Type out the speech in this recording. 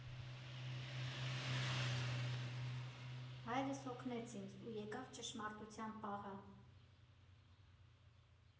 Հայրս օգնեց ինձ ու եկավ ճշմարտության պահը։